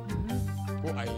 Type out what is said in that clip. Ko ayi